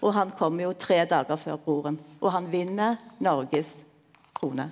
og han kjem jo tre dagar før broren og han vinnar Noregs krone.